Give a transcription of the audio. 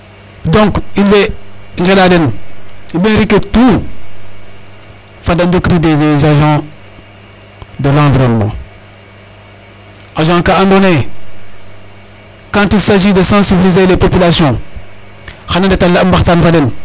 Donc in way nqeɗae den mairie ke tout fat da recruter des agents de l' enviroinnement agent ka andoona yee quand il sagit de sensibliser la population xan a ndeta mbaxtan fa den.